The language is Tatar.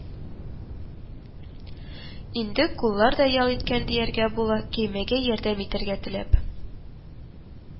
Инде куллар да ял иткән дияргә була, көймәгә ярдәм итәргә теләп